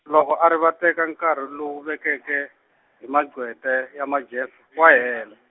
loko a rivateka nkarhi lowu vekeke, hi maqhweta ya Majeff wa hela.